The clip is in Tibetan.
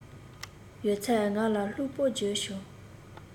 ཡོད ཚད ང ལ ལྷུག པོར བརྗོད བྱུང